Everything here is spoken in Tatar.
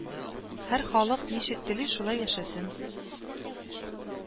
Һәр халык ничек тели шулай яшәсен